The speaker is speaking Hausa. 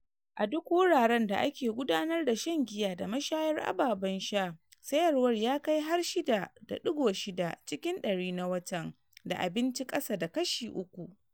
A duk wuraren da ake gudanar da shan giya da mashayar ababen sha sayarwa ya kai har 6.6 cikin dari na watan, da abinci kasa da kashi uku. "